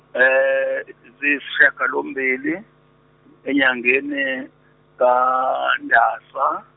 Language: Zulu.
ziyisishiyagalombili enyangeni kaNdasa.